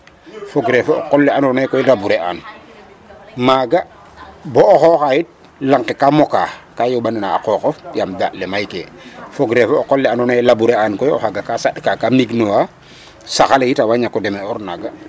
Fogree fo o qol la andoona yee koy labourer an maaga bo o xooxa it lang ke kaa mokaa ka yoOɓandana a qooqof yaam daaɗ le maykee fogree fo o qol la andoona yre labourer an koy o xaga ka saɗka kaa mignuwa sax ale it a waaga ñak o deme'oorit naaga.